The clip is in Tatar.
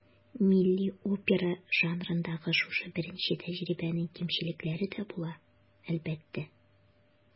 Милли опера жанрындагы шушы беренче тәҗрибәнең кимчелекләре дә була, әлбәттә.